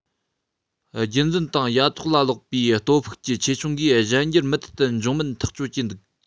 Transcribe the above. རྒྱུད འཛིན དང ཡ ཐོག ལ ལོག པའི སྟོབས ཤུགས ཀྱི ཆེ ཆུང གིས གཞན འགྱུར མུ མཐུད དུ འབྱུང མིན ཐག གཅོད ཀྱི འདུག